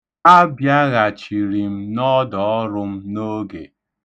Abịaghachiri m n'ọdọọrụ m n'oge.